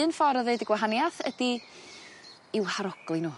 Un ffor' o ddeud y gwahaniath ydi, i'w harogli n'w.